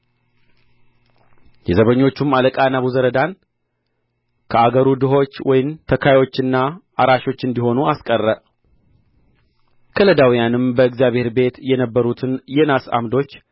የዘበኞቹም አለቃ ናቡዘረዳን ከአገሩ ድኆች ወይን ተካዮችና አራሾች እንዲሆኑ አስቀረ ከለዳውያንም በእግዚአብሔር ቤት የነበሩትን የናስ ዓምዶች